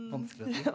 vanskelig å si.